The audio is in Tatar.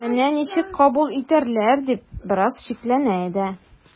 “мине ничек кабул итәрләр” дип бераз шикләнә дә.